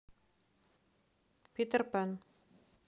питер пэн